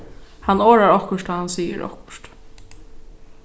hann orðar okkurt tá hann sigur okkurt